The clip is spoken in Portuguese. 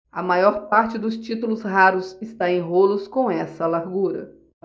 a maior parte dos títulos raros está em rolos com essa largura